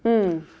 ja.